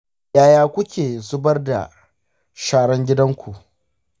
yaya kuke zubar da sharan gidan ku?